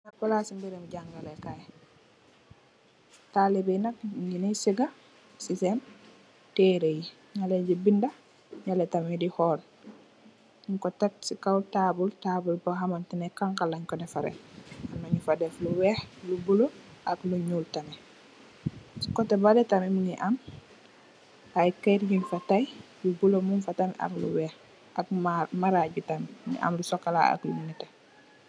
Palasi mbiram jangaleh kayy talibiyi nak nyingi Sega sisen terreyi haleh di binda haleh tamit di hol nyinko tek si kaw tabule tabule bi hamantaneh xanxa lenko defareh amna nyufa deff lu wekh lu bulo ak lu nyul tamit si koteh baleh tamit mungi am ayy kaiit nyunyfa tay lu bulo mungfa tam amlu wekh ak marage bi tam mungi am lu socola AK lu neteh.